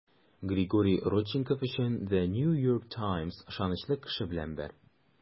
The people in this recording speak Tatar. Григорий Родченков өчен The New York Times ышанычлы кеше белән бер.